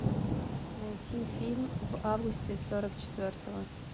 найти фильм в августе сорок четвертого